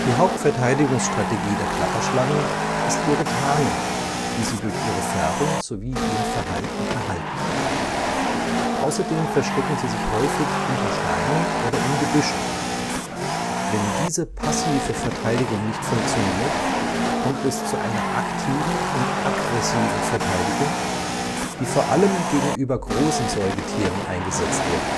Hauptverteidigungsstrategie der Klapperschlangen ist ihre Tarnung, die sie durch ihre Färbung sowie ihr Verhalten erhalten. Außerdem verstecken sie sich häufig unter Steinen oder in Gebüschen. Wenn diese passive Verteidigung nicht funktioniert, kommt es zu einer aktiven und aggressiven Verteidigung, die vor allem gegenüber großen Säugetieren eingesetzt wird